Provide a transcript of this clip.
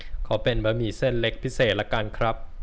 ขอเป็นบะหมี่เส้นเล็กพิเศษละกันครับ